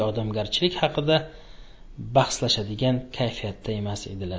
odamgarchilik xaqida baxslashadigan kayfiyatda emas edilar